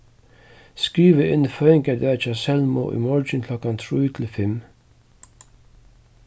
skriva inn føðingardag hjá selmu í morgin klokkan trý til fimm